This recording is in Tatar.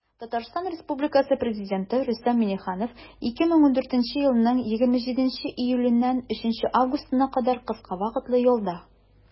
Татарстан Республикасы Президенты Рөстәм Миңнеханов 2014 елның 27 июленнән 3 августына кадәр кыска вакытлы ялда.